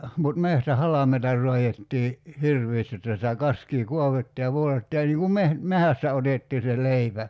mutta metsähalmeita raadettiin hirveästi jotta sitä kaskea kaadettiin ja poltettiin ja niin kuin - metsästä otettiin se leipä